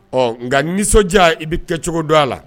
Ɔ nka nisɔndiya i bɛ kɛ cogo don a la